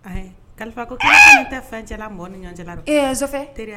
Kalifa ko tɛ fɛn cɛla mɔn ni ɲɔgɔncɛ